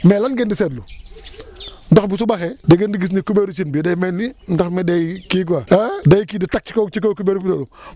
mais lan ngeen di seetlu ndox bi su baxee da ngeen di gis ne kubéeru cin bi day mel ni ndox mi day kii quoi ah day kii di tag ci kaw ci kaw kubéer ak yooyu